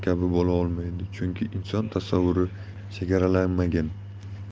bo'la olmaydi chunki inson tasavvuri chegaralanmagan